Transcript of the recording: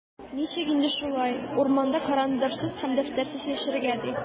Ничек инде шулай, урманда карандашсыз һәм дәфтәрсез яшәргә, ди?!